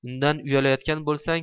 undan uyalayotgan bo'lsang